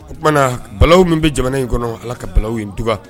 O t tumaumana balalaw min bɛ jamana in kɔnɔ ala ka bala dug